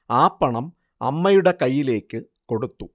ആ പണം അമ്മയുടെ കയ്യിലേക്ക് കൊടുത്തു